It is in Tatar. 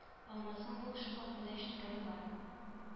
Алмазның бу кеше хакында ишеткәне бар